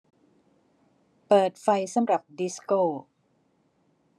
เปิดไฟสำหรับดิสโก้